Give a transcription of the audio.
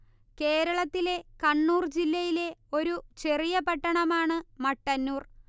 കേരളത്തിലെ കണ്ണൂർ ജില്ലയിലെ ഒരു ചെറിയ പട്ടണമാണ് മട്ടന്നൂർ